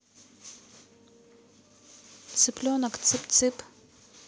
цыпленок цып цып